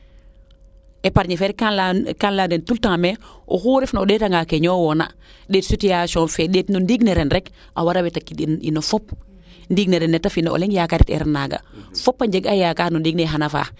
epargne fee de kam leyana den tout le temps mais oxu ref na o ndeeta nga kee ñowoona ndeet situation fee ndeet no ndiing ne ren rek a wara wet a kid in ino fop ndiing ne ren neete fi na o leŋ yakarit iran naaga fopa njeg a yakaar no ndiing neye xana faax